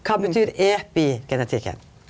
kva betyr epigenetikken?